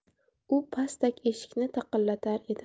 u pastak eshikni taqillatar edi